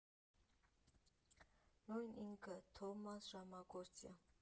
Նույն ինքը՝ Թովմաս Ժամագործյան։